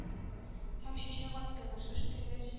Һәм чәчәк аттыгыз, үстегез